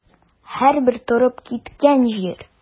Һәрбер торып киткән җир.